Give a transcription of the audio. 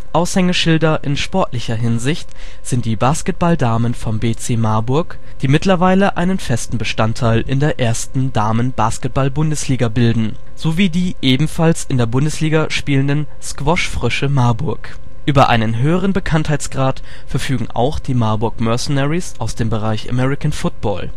Aushängeschilder in sportlicher Hinsicht sind die Basketball-Damen vom BC Marburg, die mittlerweile einen festen Bestandteil in der 1.Damen-Basketball-Bundesliga bilden sowie die ebenfalls in der Bundesliga spielenden Skwosch-Frösche Marburg. Über einen höheren Bekanntheitsgrad verfügen auch die Marburg Mercenaries aus dem Bereich American-Football